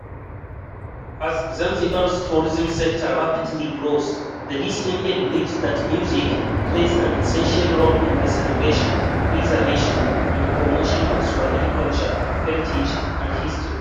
As Zanzibar’s tourism sector rapidly grows, the DCMA believes that music plays an essential role in the celebration, preservation and promotion of Swahili culture, heritage and history.